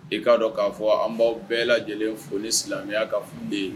E k'a dɔn k'a fɔ an baw bɛɛ lajɛlen fo ni silamɛya ka fɔ den